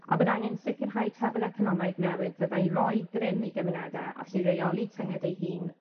a bydd angen sicirhau trefen economaidd newydd fyddai'n roi grym i gymunede allu reoli tynged eu hun